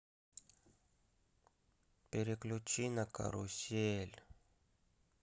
переключи на карусель